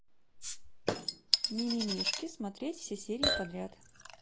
мимимишки смотреть все серии подряд